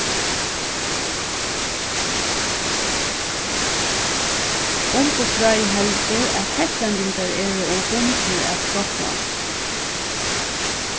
umboðsráðið heldur at hetlendingar eru ov bundnir at skotlandi